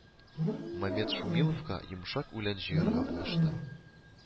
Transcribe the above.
Мамед Шумиловка йомшак үлән җыярга булышты